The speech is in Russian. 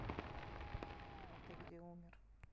а ты где умер